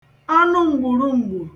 ọnụmgbùrum̀gbù